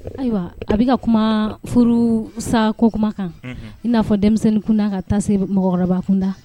Ayiwa a bɛ ka kuma furu sa ko kuma kan in n'a fɔ denmisɛnnin kunda ka taa se mɔgɔkɔrɔba kunda